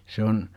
se on